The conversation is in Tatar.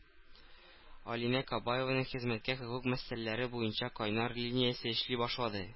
Алинә Кабаеваның хезмәткә хокук мәсьәләләре буенча кайнар линиясе эшли башлады